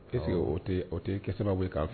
Ese o tɛ o tɛ kɛ sababu weele k'a fɛ